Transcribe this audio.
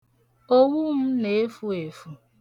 Owu m na-efu efu.